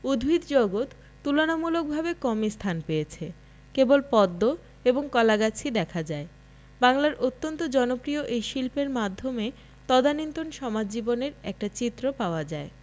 উদ্ভিদজগৎ তুলনামূলকভাবে কমই স্থান পেয়েছে কেবল পদ্ম এবং কলাগাছই দেখা যায় বাংলার অত্যন্ত জনপ্রিয় এ শিল্পের মাধ্যমে তদানীন্তন সমাজ জীবনের একটা চিত্র পাওয়া যায়